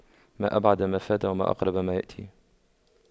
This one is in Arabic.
ما أبعد ما فات وما أقرب ما يأتي